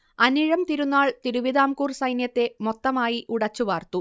അനിഴം തിരുനാൾ തിരുവിതാംകൂർ സൈന്യത്തെ മൊത്തമായി ഉടച്ചു വാർത്തു